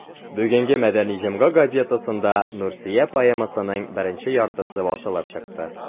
Бүгенге «Мәдәни җомга» газетасында «Нурсөя» поэмасының беренче яртысы басылып чыкты.